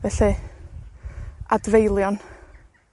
Felly, adfeilion.